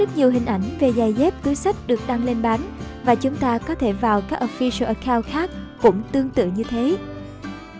thì có rất nhiều hình ảnh về giày dép túi xách được đăng lên bán và chúng ta có thể vào các official account khác cũng tương tự như vậy